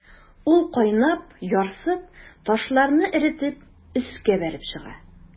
Ул кайнап, ярсып, ташларны эретеп өскә бәреп чыга.